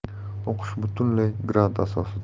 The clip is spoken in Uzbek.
o'qish butunlay grant asosida